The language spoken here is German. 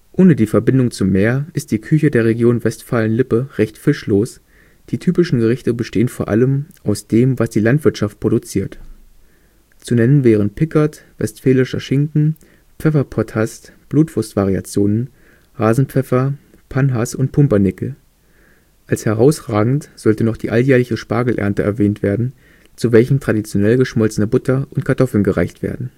Ohne die Verbindung zum Meer ist die Küche der Region Westfalen-Lippe recht fischlos, die typischen Gerichte bestehen vor allem aus dem, was die Landwirtschaft produziert. Zu nennen wären Pickert, Westfälischer Schinken, Pfefferpotthast, Blutwurstvariationen, Hasenpfeffer, Panhas und Pumpernickel. Als herausragend sollte noch die alljährliche Spargelernte erwähnt werden, zu welchem traditionell geschmolzene Butter und Kartoffeln gereicht werden